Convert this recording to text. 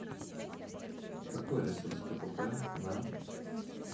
какой ресурс кпп на